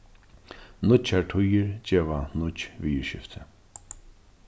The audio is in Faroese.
nýggjar tíðir geva nýggj viðurskifti